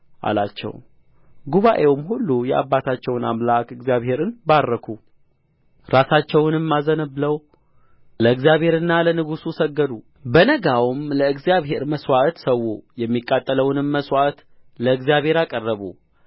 አላቸው ጉባኤውም ሁሉ የአባታቸውን አምላክ እግዚአብሔርን ባረኩ ራሳቸውንም አዘንብለው ለእግዚአብሔርና ለንጉሡ ሰገዱ በነጋውም ለእግዚአብሔር መሥዋዕት ሠዉ የሚቃጠለውንም መሥዋዕት ለእግዚአብሔር አቀረቡ